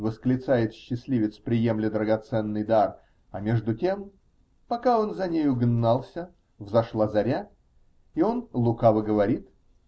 -- восклицает счастливец, приемля драгоценный дар, а между тем, пока он за нею гнался, взошла заря, и он лукаво говорит: .